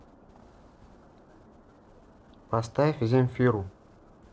поставь земфиру